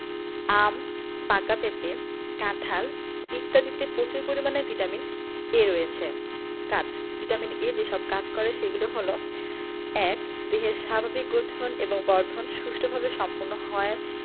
আম পাকা পেঁপে কাঁঠাল ইত্যাদিতে পচুর পরিমানে ভিটামিন এ রয়েছে কাজ ভিটামিন এ যেসব কাজ করে সেগুলো হলো ১. দেহের স্বাভাবিক গঠন এবং বর্ধন সুষ্ঠুভাবে সম্পন্ন হওয়ায়